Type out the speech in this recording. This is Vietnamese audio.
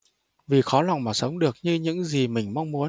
vì khó lòng mà sống được như những gì mình mong muốn